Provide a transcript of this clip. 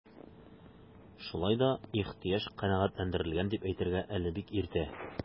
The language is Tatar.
Шулай да ихтыяҗ канәгатьләндерелгән дип әйтергә әлегә бик иртә.